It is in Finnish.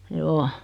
joo